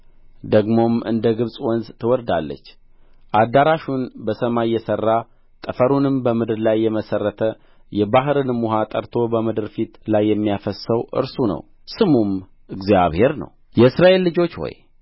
ደግሞ እንደ ግብጽ ወንዝ ትወርዳለች አዳራሹን በሰማይ የሠራ ጠፈሩንም በምድር ላይ የመሠረተ የባሕርንም ውኃ ጠርቶ በምድር ፊት ላይ የሚያፈስሰው እርሱ ነው ስሙም እግዚአብሔር ነው የእስራኤል ልጆች ሆይ